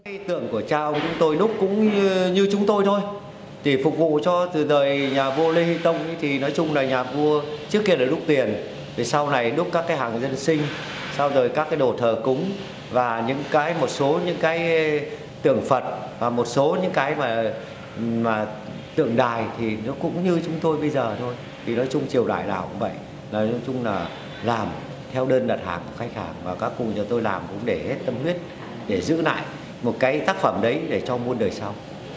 ý tưởng của cha ông chúng tôi đúc cũng như như chúng tôi thôi để phục vụ cho từ đời nhà vua lê hy tông thì nói chung là nhà vua trước kia là đúc tiền về sau này đúc các cái hàng dân sinh sau rồi các cái đồ thờ cúng và những cái một số những cái tượng phật và một số những cái mà mà tượng đài thì nó cũng như chúng tôi bây giờ thôi thì nói chung triều đại nào cũng vậy đấy nói chung là làm theo đơn đặt hàng của khách hàng và các cụ nhà tôi làm cũng để hết tâm huyết để giữ lại một cái tác phẩm đấy để cho muôn đời sau